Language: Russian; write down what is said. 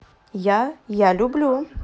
я я люблю